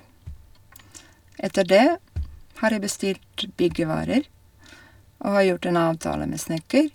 Etter det har jeg bestilt byggevarer og har gjort en avtale med snekker.